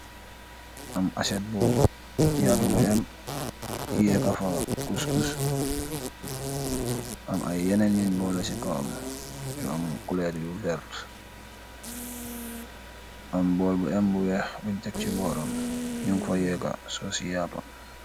Am asset bu yaatu bu emm, yekah fa cous cous, am aiiy yenen yungh boleh ci kawam, yu am couleur yu vert, am bowl bu em bu wekh bungh tek c bohram, nung fa yeka sauce yapah.